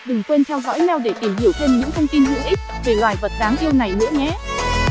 đừng quên theo dõi meow để tìm hiểu thêm những thông tin hữu ích về loài vật đáng yêu này nữa nhé